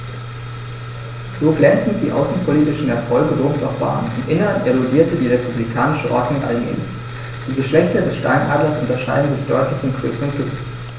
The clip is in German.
So glänzend die außenpolitischen Erfolge Roms auch waren: Im Inneren erodierte die republikanische Ordnung allmählich. Die Geschlechter des Steinadlers unterscheiden sich deutlich in Größe und Gewicht.